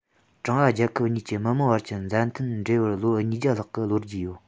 ཀྲུང ཨ རྒྱལ ཁབ གཉིས ཀྱི མི དམངས བར གྱི མཛའ མཐུན འབྲེལ བར ལོ ཉིས བརྒྱ ལྷག གི ལོ རྒྱུས ཡོད